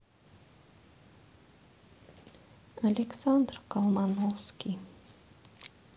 александр колмановский